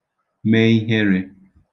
me iherē